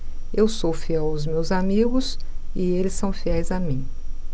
eu sou fiel aos meus amigos e eles são fiéis a mim